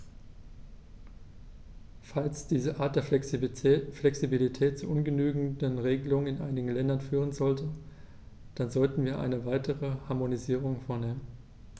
Falls diese Art der Flexibilität zu ungenügenden Regelungen in einigen Ländern führen sollte, dann sollten wir eine weitere Harmonisierung vornehmen.